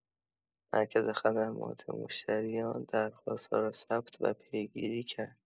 مرکز خدمات مشتریان درخواست‌ها را ثبت و پیگیری کرد.